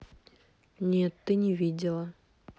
нет ты не видела